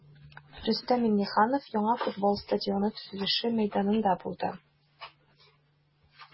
Рөстәм Миңнеханов яңа футбол стадионы төзелеше мәйданында булды.